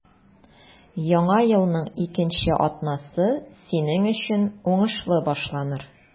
Яңа елның икенче атнасы синең өчен уңышлы башланыр.